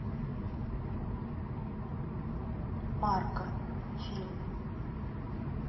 марка фильм